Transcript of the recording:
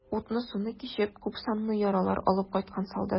Утны-суны кичеп, күпсанлы яралар алып кайткан солдат.